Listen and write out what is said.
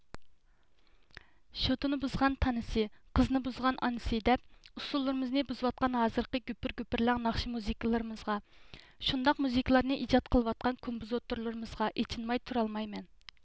شوتىنى بۇزغان تانىسى قىزنى بۇزغان ئانىسى دەپ ئۇسسۇللىرىمىزنى بۇزۇۋاتقان ھازىرقى گۈپۈر گۈپۈرلەڭ ناخشا مۇزىكىلىرىمىزغا شۇنداق مۇزىكىلارنى ئىجاد قىلىۋاتقان كومپىزوتۇرلىرىمىزغا ئېچىنماي تۇرالمايمەن